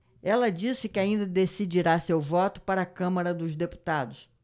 ela disse que ainda decidirá seu voto para a câmara dos deputados